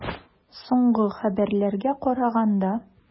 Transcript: Соңгы хәбәрләргә караганда.